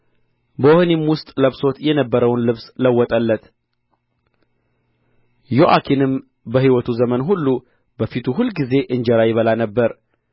በወህኒም ውስጥ ለብሶት የነበረውን ልብስ ለወጠለት ዮአኪንም በሕይወቱ ዘመን ሁሉ በፊቴ ሁልጊዜ እንጀራ ይበላ ነበር